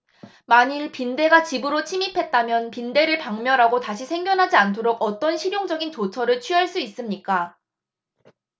만일 빈대가 집으로 침입했다면 빈대를 박멸하고 다시 생겨나지 않도록 어떤 실용적인 조처를 취할 수 있습니까